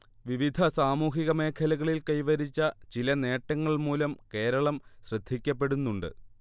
വിവിധ സാമൂഹിക മേഖലകളിൽ കൈവരിച്ച ചില നേട്ടങ്ങൾ മൂലം കേരളം ശ്രദ്ധിക്കപ്പെടുന്നുണ്ട്